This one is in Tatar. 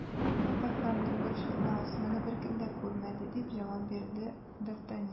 Юк, әфәндем, борчылмагыз, моны беркем дә күрмәде, - дип җавап бирде д ’ Артаньян.